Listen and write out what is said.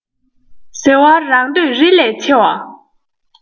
ཟེར བ རང འདོད རི ལས ཆེ བ